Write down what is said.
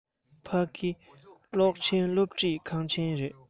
ཕ གི གློག ཅན སློབ ཁྲིད ཁང ཆེན ཡིན